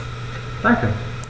Danke.